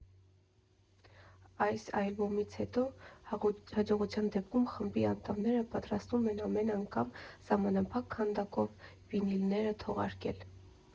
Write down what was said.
Այս ալբոմից հետո, հաջողության դեպքում խմբի անդամները պատրաստվում են ամեն անգամ սահմանափակ քանակով վինիլներ թողարկել։